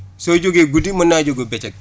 soo jógee guddi mën naa jóg bëccëg